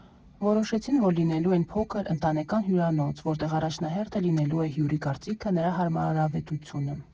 Որոշեցին, որ լինելու են փոքր, ընտանեկան հյուրանոց, որտեղ առաջնահերթը լինելու է հյուրի կարծիքը, նրա հարմարավետությունը։